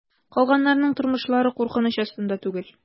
Калганнарның тормышлары куркыныч астында түгел.